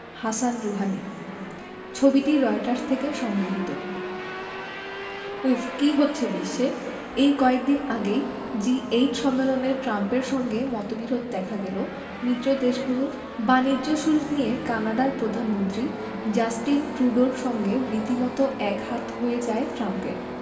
Hasan Rouhani ছবিটি Reuters থেকে সংগৃহীত উফ্ কী হচ্ছে বিশ্বে এই কয়েক দিন আগেই জি এইট সম্মেলনে ট্রাম্পের সঙ্গে মতবিরোধ দেখা গেল মিত্রদেশগুলোর বাণিজ্য শুল্ক নিয়ে কানাডার প্রধানমন্ত্রী জাস্টিন ট্রুডোর সঙ্গে রীতিমতো একহাত হয়ে যায় ট্রাম্পের